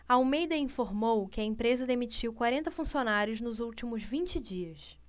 almeida informou que a empresa demitiu quarenta funcionários nos últimos vinte dias